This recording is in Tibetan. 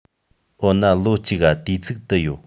འོ ན ལོ གཅིག ག དུས ཚིགས དི ཡོད